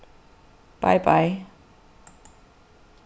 bei bei